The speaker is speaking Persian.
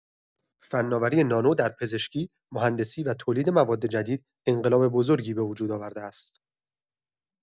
فناوری نانو در پزشکی، مهندسی و تولید مواد جدید، انقلاب بزرگی به وجود آورده است.